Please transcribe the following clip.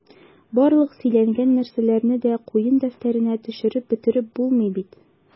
Барлык сөйләнгән нәрсәләрне дә куен дәфтәренә төшереп бетереп булмый бит...